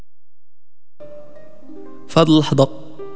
فضل صدق